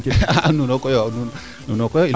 nuuno koyo nuuno koy